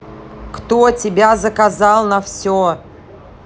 кто тебя заказал на все